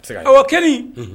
O tɛ se ka kɛ, awɔ o kɛli, unhun,